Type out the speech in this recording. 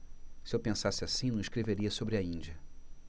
se eu pensasse assim não escreveria sobre a índia